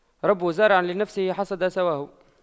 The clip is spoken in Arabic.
رب زارع لنفسه حاصد سواه